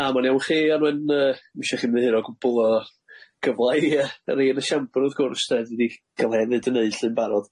Na ma'n iawn i chi Anwen yy m' isio i chi mynd i hirio gwbwl o gyfla i yy yr un esiambr wrth gwrs de dwi di gael lle i ddeud yn eud yn barod.